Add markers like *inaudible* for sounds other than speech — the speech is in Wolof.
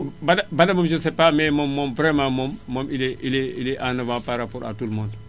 Bada Bada moom je ne sais mais moom moom vraiment moom *noise* moom il est il est en avant *noise* par rapport à tout le monde